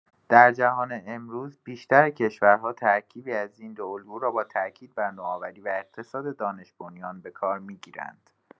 در جهان امروز، بیشتر کشورها ترکیبی از این دو الگو را با تأکید بر نوآوری و اقتصاد دانش‌بنیان به‌کار می‌گیرند.